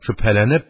Шөбһәләнеп